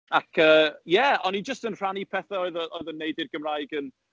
Ac yy, ie, o'n i jyst yn rhannu pethe oedd yy oedd yn wneud i'r Gymraeg yn...